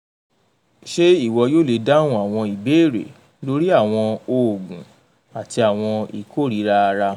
Ṣé ìwọ yóò lè dáhùn àwọn ìbéèrè lórí àwọn oogun àti àwọn ìkórira ara?